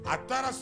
A taara so